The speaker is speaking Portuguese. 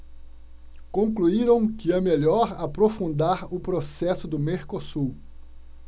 concluíram que é melhor aprofundar o processo do mercosul